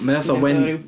Mae fatha wen...